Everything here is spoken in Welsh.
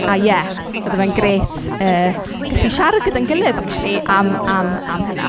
A ie bydde fe'n grêt yy gallu siarad gyda'n gilydd acshyli am am am hynna.